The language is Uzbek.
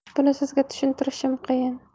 buni sizga tushuntirishim qiyin